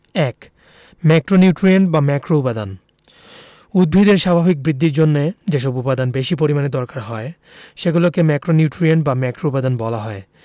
১ macronutrient বা ম্যাক্রোউপাদান উদ্ভিদের স্বাভাবিক বৃদ্ধির জন্য যেসব উপাদান বেশি পরিমাণে দরকার হয় সেগুলোকে ম্যাক্রোনিউট্রিয়েন্ট বা ম্যাক্রোউপাদান বলা হয়